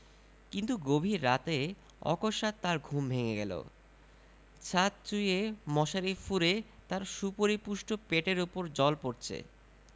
কিন্তু গভীর রাতে অকস্মাৎ তাঁর ঘুম ভেঙ্গে গেল ছাদ চুঁইয়ে মশারি ফুঁড়ে তাঁর সুপরিপুষ্ট পেটের উপর জল পড়চে